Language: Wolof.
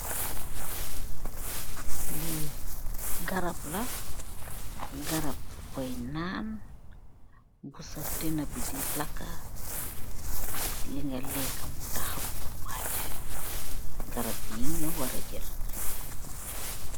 Lii garap la, garap boi naan, bu sa dena bi di laka, yengal leka mu takhaw du waachah garap bii nga wara naan.